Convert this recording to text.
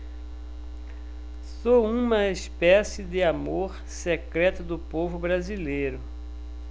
sou uma espécie de amor secreto do povo brasileiro